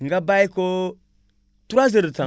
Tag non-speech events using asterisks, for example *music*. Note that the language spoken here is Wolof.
nga bàyyi ko *hesitation* 3 heures de temps